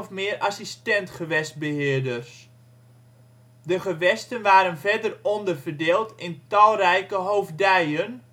meer assistent-gewestbeheerders. De gewesten waren verder onderverdeeld in talrijke hoofdijen